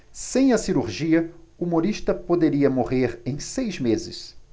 sem a cirurgia humorista poderia morrer em seis meses